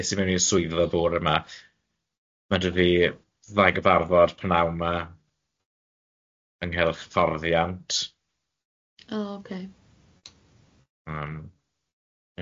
Es i mewn i'r swyddfa bore 'ma, ma' dy' fi ddau gyfarfod p'nawn yma ynghylch fforddiant. O ocei.